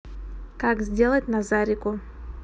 как сделать назарику